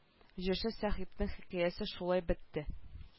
Җырчы сәхипнең хикәясе шулай бетте